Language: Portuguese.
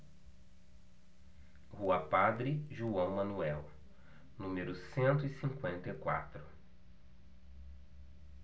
rua padre joão manuel número cento e cinquenta e quatro